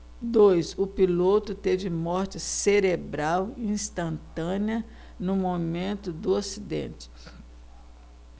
dois o piloto teve morte cerebral instantânea no momento do acidente